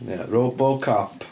Ia, Robocop.